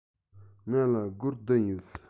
ང ལ སྒོར བདུན ཡོད